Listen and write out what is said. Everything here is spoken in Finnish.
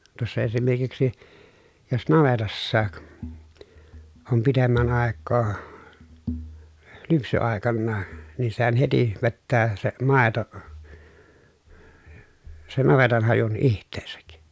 tuossa esimerkiksi jos navetassakin on pitemmän aikaa lypsyaikana niin sehän heti vetää se maito sen navetanhajun itseensä